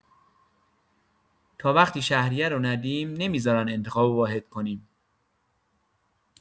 تا وقتی شهریه رو ندیم نمی‌ذارن انتخاب واحد کنیم.